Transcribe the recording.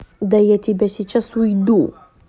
да я тебя сейчас уйду